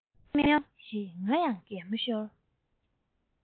མཱེ མཱེ ཞེས ང ཡང གད མོ ཤོར